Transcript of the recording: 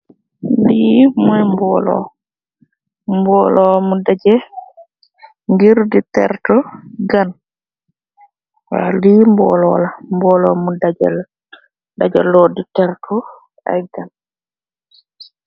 Li moy mbolo, mbolo mu daggeh di tertu gan.